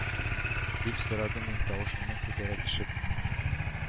Дип сорадым мин, тавышымны күтәрә төшеп